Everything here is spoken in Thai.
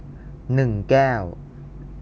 หนึ่งแก้ว